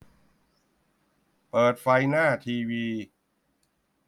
เปิดไฟหน้าทีวี